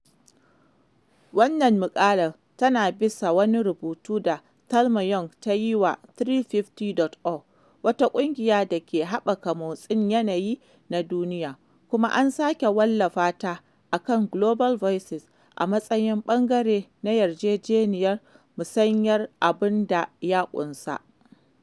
Wannan maƙalar tana bisa wani rubutu da Thelma Young ta yi wa 350.org, wata ƙungiya da ke haɓaka motsin yanayi na duniya, kuma an sake wallafa ta a kan Global Voices a matsayin ɓangare na yarjejeniyar musayar abun da ya ƙunsa.